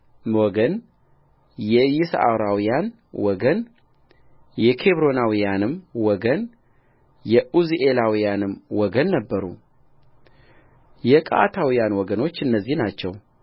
ወገን የይስዓራውያንም ወገን የኬብሮናውያንም ወገን የዑዝኤላውያንም ወገን ነበሩ የቀዓታውያን ወገኖች እነዚህ ናቸው